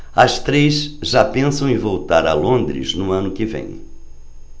as três já pensam em voltar a londres no ano que vem